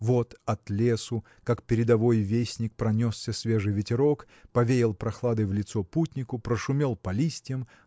Вот от лесу как передовой вестник пронесся свежий ветерок повеял прохладой в лицо путнику прошумел по листьям